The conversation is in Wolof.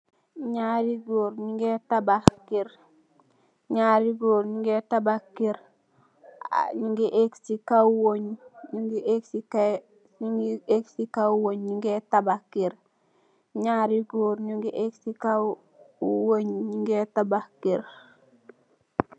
Ñaari gór ñugeh éék ci kaw weñ ñugeh tabax kèr .